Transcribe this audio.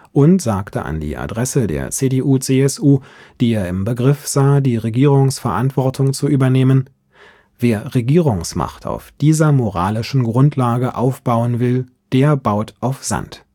und sagte an die Adresse der CDU/CSU, die er im Begriff sah, die Regierungsverantwortung zu übernehmen: „ Wer Regierungsmacht auf dieser moralischen Grundlage aufbauen will, der baut auf Sand